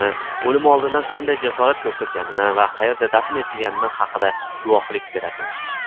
o'limi oldidan qanday jasorat ko'rsatgani va qaerda dafn etilgani haqida guvohlik beradilar